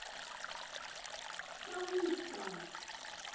малышка